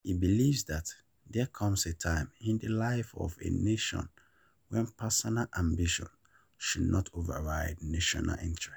He believes that there "comes a time in the life of a nation when personal ambition should not override national interest".